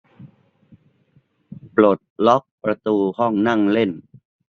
ปลดล็อกประตูห้องนั่งเล่น